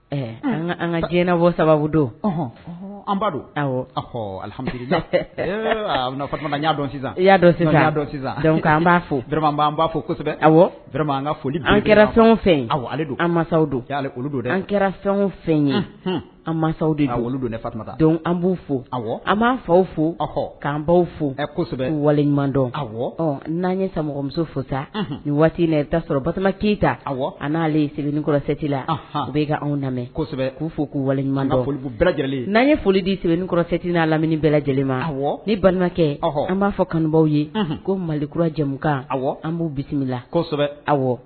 Ɛɛ an an ka diɲɛbɔ sababu don'h alihaa dɔn sisan i y'a dɔn sen dɔnan b'a fɔuraan' fɔ awura an ka foli an kɛra fɛn fɛ aw ale don an don olu don dɛ an kɛra fɛn fɛn ye an masaw de wali don nema an b'u fo aw an b'an faw fo aw k'an b baw fo kosɛbɛ waliɲuman dɔn aw ɔ n'an ye sa mɔgɔmuso fusa ni waati i taa sɔrɔ ba keyita aw an n'ale ye sɛbɛnnikɔrɔsɛti la u bɛ ka anw lamɛn kosɛbɛ u fo k'u waliɲuman lajɛlen n'an ye foli di sɛbɛnni kɔrɔsɛtiinaa lamini bɛɛ lajɛlen ma ni balimakɛ an b'a fɔ kanubaw ye ko mali kurakurajamukan aw an b'u bisimila kosɛbɛ aw